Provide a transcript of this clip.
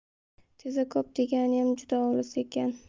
tezakop deganiyam juda olis ekan